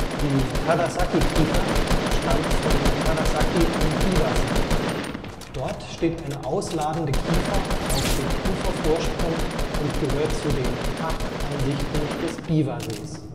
Die Karasaki-Kiefer stammt von Karasaki am Biwa-See. Dort steht eine ausladende Kiefer auf dem Ufervorsprung und gehört zu den Acht Ansichten des Biwa-Sees